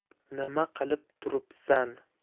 nima qilib turibsan